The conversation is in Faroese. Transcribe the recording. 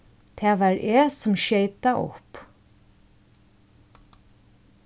tað var eg sum skeyt tað upp